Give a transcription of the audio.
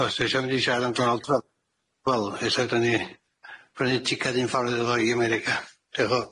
Os dwi isio mynd i siarad am Donald Trump wel ella da ni prynu ticad un ffordd iddo fo i America. Diolch y' fowr.